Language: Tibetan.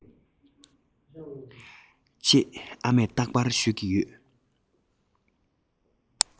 ཅེས ཨ མས རྟག པར ཤོད ཀྱི ཡོད